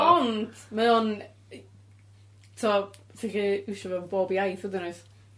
Ond mae o'n yy t'o' ti'n gallu iwsio fo ym bob iaith hyd yn oed?